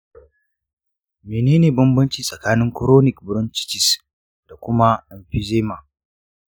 menene banbanci tsakanin chronic bronchitis da kuma emphysema?